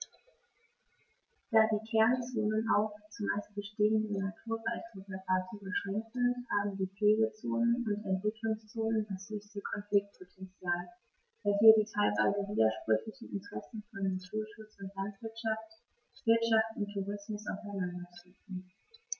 Da die Kernzonen auf – zumeist bestehende – Naturwaldreservate beschränkt sind, haben die Pflegezonen und Entwicklungszonen das höchste Konfliktpotential, da hier die teilweise widersprüchlichen Interessen von Naturschutz und Landwirtschaft, Wirtschaft und Tourismus aufeinandertreffen.